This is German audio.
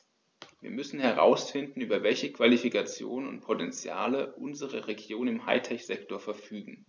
Wir müssen herausfinden, über welche Qualifikationen und Potentiale unsere Regionen im High-Tech-Sektor verfügen.